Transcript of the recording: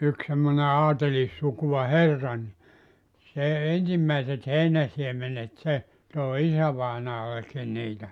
yksi semmoinen aatelissukua herra niin se ensimmäiset heinäsiemenet se toi isävainajallekin niitä